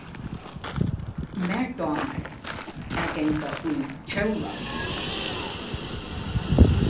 mær dámar at ganga í kjóla